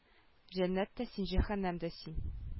Җәннәт тә син җәһәннәм дә син